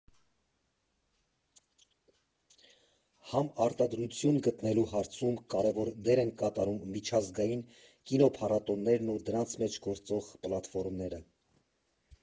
Համարտադրություն գտնելու հարցում կարևոր դեր են կատարում միջազգային կինոփառատոներն ու դրանց մեջ գործող պլատֆորմները։